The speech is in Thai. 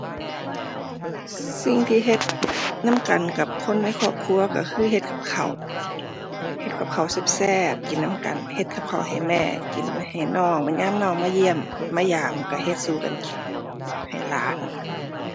สิ่งที่เฮ็ดนำกันกับคนในครอบครัวก็คือ เฮ็ดกับข้าว เฮ็ดกับข้าวแซ่บแซ่บ กินนำกัน เฮ็ดกับข้าวให้แม่ กินให้น้อง บัดยามน้องมาเยี่ยม มายามก็เฮ็ดสู่กันกิน ให้หลาน